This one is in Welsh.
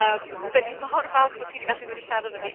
yym, 'dyn ni mor falch fo' ti 'di gallu dod i siarad 'fo ni...